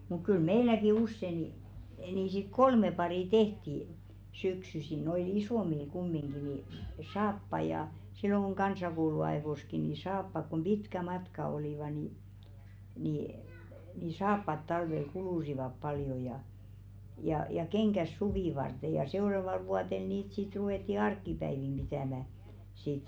mutta kyllä meilläkin usein niin niin sitten kolme paria tehtiin syksyisin noille isommille kumminkin niin saappaita ja silloin kun kansakouluajoissakin niin saappaat kun pitkät matkat olivat niin niin niin saappaat talvella kuluivat paljon ja ja ja kengät suvea varten ja seuraavalla vuotena niitä sitten ruvettiin arkipäivinä pitämään sitten